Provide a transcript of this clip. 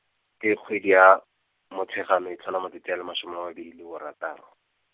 ke kgwedi ya, Motsheganong e tlhola matsatsi a le masome a mabedi le borataro.